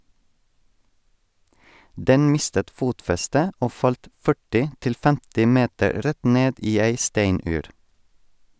- Den mistet fotfestet og falt 40-50 meter rett ned i ei steinur.